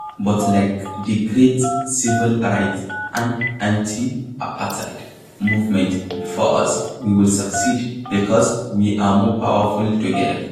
But, like the great civil rights and anti-apartheid movements before us, we will succeed, because we are more powerful together.